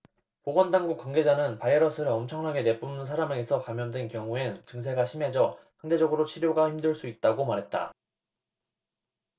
보건당국 관계자는 바이러스를 엄청나게 내뿜는 사람에게서 감염된 경우엔 증세가 심해져 상대적으로 치료가 힘들 수 있다고 말했다